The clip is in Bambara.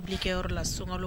Abilikɛyɔrɔ la solo